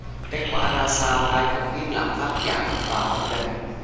kết quả ra sao ai cũng biết lạm phát giảm và ổn định